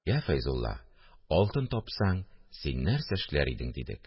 Йә, Фәйзулла, алтын тапсаң, син нәрсә эшләр идең? – дидек